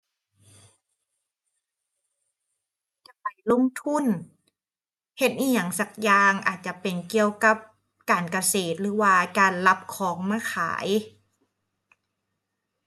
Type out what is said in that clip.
จะไปลงทุนเฮ็ดอิหยังสักอย่าง อาจจะเป็นเกี่ยวกับการเกษตรหรือว่าการรับของมาขาย